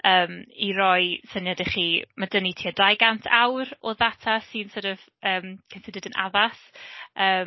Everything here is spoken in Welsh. Yym i roi syniad i chi, ma' 'da ni tua dau gant awr o ddata sy'n sort of yym considered yn addas yym.